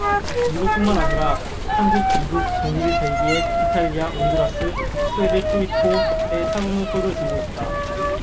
미국뿐만 아니라 한국 일본 독일 벨기에 이탈리아 온두라스 푸에르토리코에 사무소를 두고 있다